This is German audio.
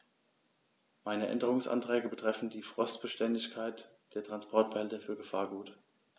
Meine Änderungsanträge betreffen die Frostbeständigkeit der Transportbehälter für Gefahrgut.